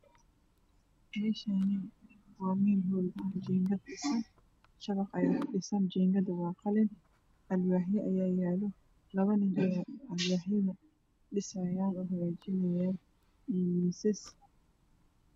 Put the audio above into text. Meeshaani waa meel hool jiingad ka dhisan jiingada waa qalin alwaaxyo Aya yaalo labo nin Aya dhisayao hagaajinayo iyo miisas